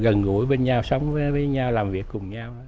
gần gũi bên nhau sống với với nhau làm việc cùng nhau